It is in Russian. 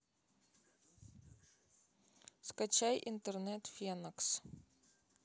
скачай интернет фенокс